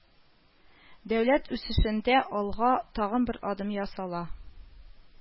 Дәүләт үсешендә алга тагын бер адым ясала